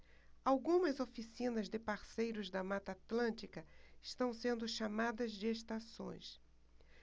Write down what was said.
algumas oficinas de parceiros da mata atlântica estão sendo chamadas de estações